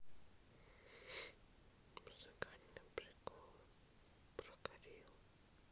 музыкальные приколы про горилл